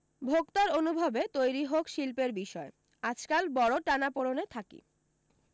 ভোক্তার অনুভবে তৈরী হোক শিল্পের বিষয় আজকাল বড় টানাপোড়েনে থাকি